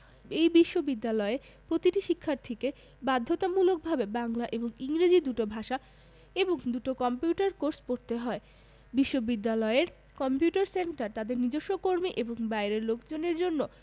এই বিশ্ববিদ্যালয়ে প্রতিটি শিক্ষার্থীকে বাধ্যতামূলকভাবে বাংলা এবং ইংরেজি দুটো ভাষা এবং দুটো কম্পিউটার কোর্স পড়তে হয় বিশ্ববিদ্যালয়ের কম্পিউটার সেন্টার তাদের নিজস্ব কর্মী এবং বাইরের লোকজনের জন্য